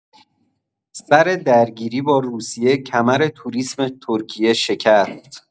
سر درگیری با روسیه، کمر توریسم ترکیه شکست.